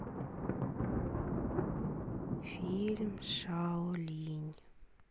фильм шао линь